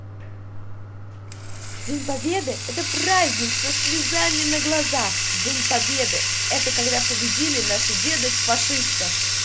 день победы это праздник со слезами на глазах день победы это когда победили наши деды фашистов